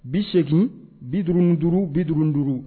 80 55 55